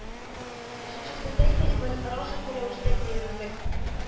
Өченчесендә исә инвалидларга шартлы рәвештә генә йөрерлек